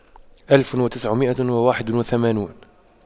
ألف وتسعمئة وواحد وثمانون